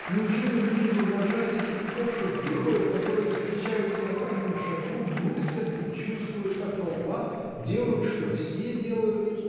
Неужели мне изображать этих пошлых героев которые встречаются на каждом шагу мыслят и чувствуют как толпа делают что все делают